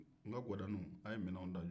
n ka gwadanin aw minɛnw ta